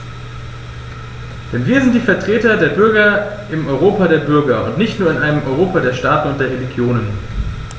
Denn wir sind die Vertreter der Bürger im Europa der Bürger und nicht nur in einem Europa der Staaten und der Regionen.